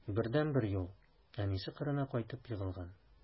Бердәнбер юл: әнисе кырына кайтып егылган.